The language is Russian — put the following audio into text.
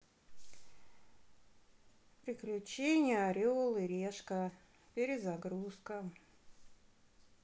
приключения орел и решка перезагрузка